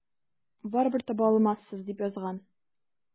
Барыбер таба алмассыз, дип язган.